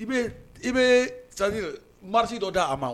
I bɛ i bɛ c'est à dire marge dɔ d'a ma